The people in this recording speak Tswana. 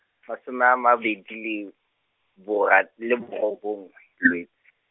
masome a mabedi le, bora-, le borobongwe Lwetse.